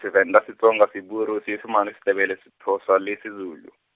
Sevenda Setsonga Seburu Seesimane Setebele Sethosa le Sezulu.